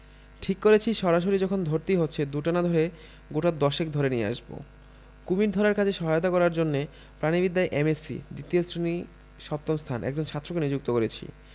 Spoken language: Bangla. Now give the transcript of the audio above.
ঠিক করেছি সরাসরি যখন ধরতেই হচ্ছে দুটা না ধরে গোটা দশেক ধরে নিয়ে আসব কুমীর ধরার কাজে সহায়তা করার জন্যে প্রাণীবিদ্যায় এম এস সি দ্বিতীয় শ্রেণী সপ্তম স্থান একজন ছাত্রকে নিযুক্ত করেছি